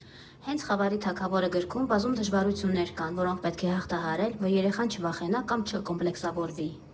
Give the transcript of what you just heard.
Հենց «Խավարի թագավորը» գրքում բազում դժվարություններ կան, որոնք պետք է հաղթահարել, որ երեխան չվախենա կամ չկոմպլեքսավորվի։